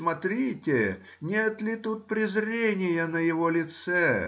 смотрите: нет ли тут презрения на его лице?